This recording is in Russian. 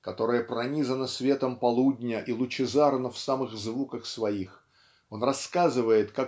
которое пронизано светом полудня и лучезарно в самых звуках своих он рассказывает